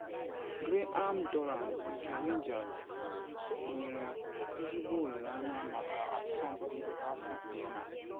Graham Dorrans nke Rangers nwere ezigbo olile anya maka asọmpi Rapid Vienna